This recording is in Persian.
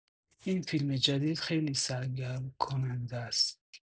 این فیلم جدید خیلی سرگرم‌کننده‌ست.